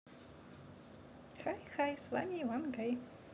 хай хай с вами иван гай